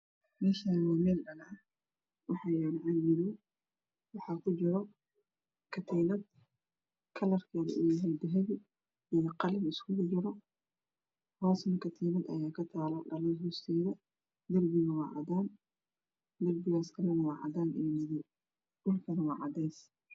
Meshani dahagax ah wa mel waxa ylo caag madow waxa aku jiro katiinad kalarkeedu ayahy daphapi iyo qalin iskugu jirohoosna kàtiinad ayaa kayaalo darpiga hoosna wa cadan darpigaas kalane waa cadan iyo madow dhulakana waaa cadees